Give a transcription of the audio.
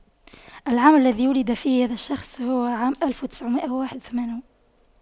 العام الذي ولد فيه هذا الشخص هو عام ألف وتسعمئة وواحد وثمانون